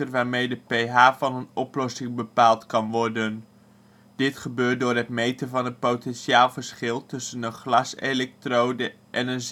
waarmee de pH van een oplossing bepaald kan worden. Dit gebeurt door het meten van het potentiaalverschil tussen een glaselektrode en een